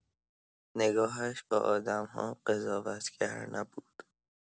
نگاهش به آدم‌ها قضاوت‌گر نبود؛